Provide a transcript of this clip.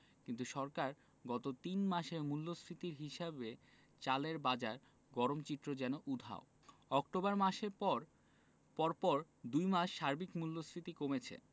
কিন্তু সরকার গত তিন মাসের মূল্যস্ফীতির হিসাবে চালের বাজারের গরম চিত্র যেন উধাও অক্টোবর মাসের পর পরপর দুই মাস সার্বিক মূল্যস্ফীতি কমেছে